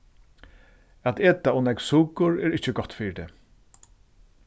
at eta ov nógv sukur er ikki gott fyri teg